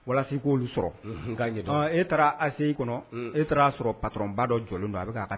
E taara e taara'a sɔrɔ parba dɔ jɔ don